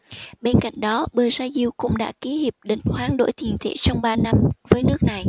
bên cạnh đó brazil cũng đã ký hiệp định hoán đổi tiền tệ trong ba năm với nước này